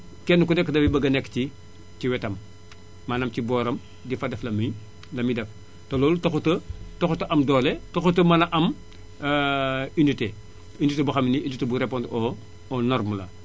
kenn ku nekk day bëgg a nekk ci ci wetam maanaam ci booram di fa def la muy la muy def te loolu taxut a taxut a am doole taxut a mën a am unité unité boo xam ne unité buy répondre au au norme la